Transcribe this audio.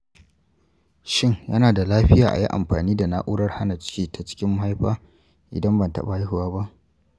shin yana da lafiya a yi amfani da na’urar hana ciki ta cikin mahaifa idan ban taɓa haihuwa ba?